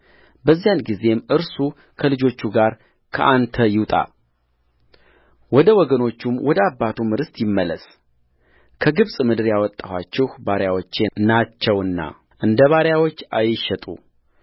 በዚያን ጊዜም እርሱ ከልጆቹ ጋር ከአንተ ይውጣ ወደ ወገኖቹም ወደ አባቱም ርስት ይመለስከግብፅ ምድር ያወጣኋቸው ባሪያዎቼ ናቸውና እንደ ባሪያዎች አይሸጡ